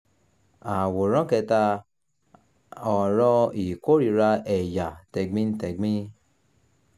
Àwòrán 3: Ọ̀rọ̀ ìkórìíra ẹ̀yà tẹ̀gbintẹ̀gbin